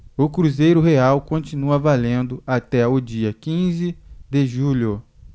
o cruzeiro real continua valendo até o dia quinze de julho